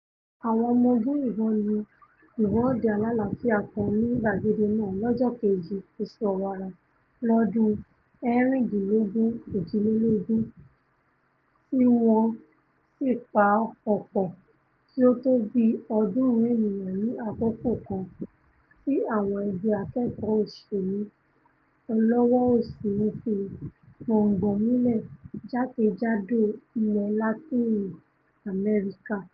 Àwọn ọmọ ogun yìnbọn lu ìwọ́de alálàáfíà kan ni gbàgede náà lọ́jọ́ kejì oṣù Ọ̀wàrà, lọ́dún 1968, tíwọ́n sì pa ọ̀pọ̀ tí ó tó bíi ọ̀ọ́dúrun ènìyàn ní àkókò kan tí àwọn ẹgbẹ́ àkẹ́kọ̀ọ́ òṣèlú ọlọ́wọ́-òsì ńfi gbòǹgbò múlẹ̀ jákè-jádò ilẹ̀ Látìnì Amẹ́ríkà.